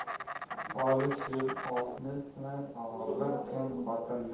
olis yo'l otni sinar og'ir kun xotinni